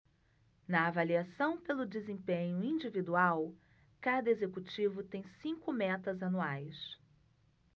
na avaliação pelo desempenho individual cada executivo tem cinco metas anuais